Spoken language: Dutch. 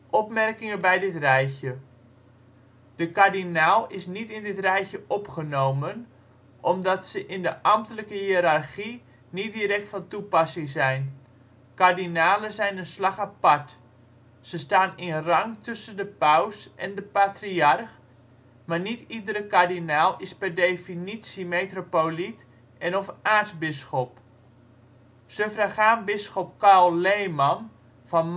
Opmerkingen bij dit rijtje: De kardinaal is niet in dit rijtje opgenomen, omdat ze in de ambtelijke hiërarchie niet direct van toepassing zijn. Kardinalen zijn een slag apart. Ze staan in rang tussen de paus en de patriarch, maar niet iedere kardinaal is per definitie metropoliet en/of aartsbisschop. Suffragaan bisschop Karl Lehmann van